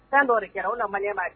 San dɔ de kɛra u na manmaa